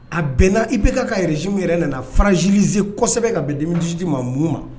A bɛnna i bɛka ka ka yɛrɛzme yɛrɛ nana farazilize kɔ kosɛbɛ ka bɛn denmisɛnmidisidi ma mun ma